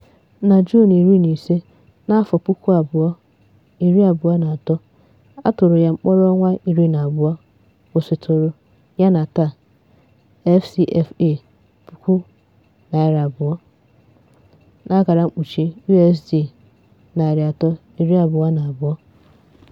Na June 15, 2023, a tụrụ ya mkpọrọ ọnwa iri na abụọ kwụsịtụrụ yana taa FCFA 200,000 (USD 322).